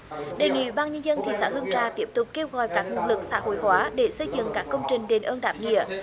đề nghị ban nhân dân thị xã hương trà tiếp tục kêu gọi các nguồn lực xã hội hóa để xây dựng các công trình đền ơn đáp nghĩa